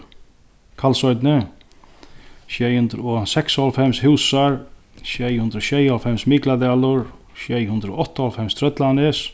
kalsoynni sjey hundrað og seksoghálvfems húsar sjey hundrað og sjeyoghálvfems mikladalur sjey hundrað og áttaoghálvfems trøllanes